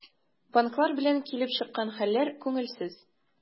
Банклар белән килеп чыккан хәлләр күңелсез.